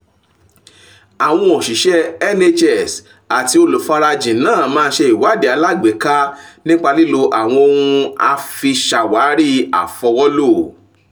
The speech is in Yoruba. Àwọn òṣìṣẹ́ NHS àti olùfarajìn náà máa ṣe ìwádìí alágbèéká nípa lílo àwọn ohun àfiṣàwarí àfọwọ́lò.